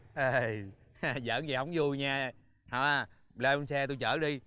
hề giỡn vậy hông vui nha ha lên xe tui chở đi